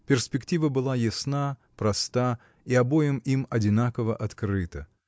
Перспектива была ясна, проста и обоим им одинаково открыта.